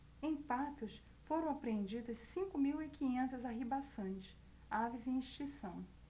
em patos foram apreendidas cinco mil e quinhentas arribaçãs aves em extinção